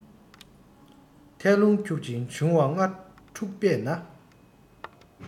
ཐད རླུང འཁྱུག ཅིང འབྱུང ལྔ འཁྲུགས པས ན